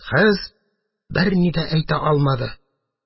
Кыз берни дә әйтә алмады.